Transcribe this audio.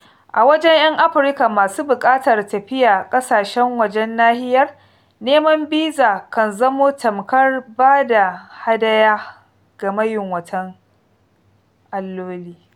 A wajen 'yan Afirka masu buƙatar tafiya ƙasashen wajen nahiyar, neman biza kan zamo tamkar ba da hadaya ga mayunwatan alloli.